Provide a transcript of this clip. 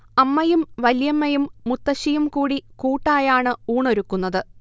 അമ്മയും വല്യമ്മയും മുത്തശ്ശിയും കൂടി കൂട്ടായാണ് ഊണൊരുക്കുന്നത്